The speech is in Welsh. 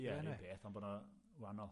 Ie, yr un peth, ond bo' nw waanol.